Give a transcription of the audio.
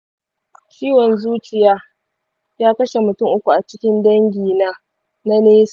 ciwon zuciya ya kashe mutum uku a cikin dangi na na nesa